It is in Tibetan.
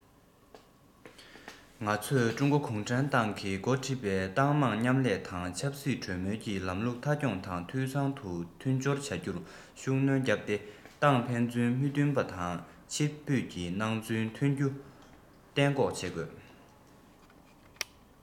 ང ཚོས ཀྲུང གོ གུང ཁྲན ཏང གིས འགོ ཁྲིད པའི ཏང མང མཉམ ལས དང ཆབ སྲིད གྲོས མོལ གྱི ལམ ལུགས མཐའ འཁྱོངས དང འཐུས ཚང དུ མཐུན སྦྱོར བྱ རྒྱུར ཤུགས སྣོན བརྒྱབ སྟེ ཏང ནང ཕན ཚུན མི མཐུན པ དང ཕྱིར འབུད ཀྱི སྣང ཚུལ ཐོན རྒྱུ གཏན འགོག བྱེད དགོས